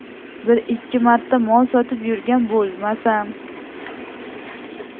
bir ikki marta mol sotib yurgan bo'lmasam